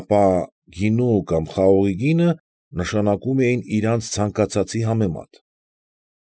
Ապա գինու կամ խաղողի գինը նշանակում էին իրանց ցանկացածի համեմատ։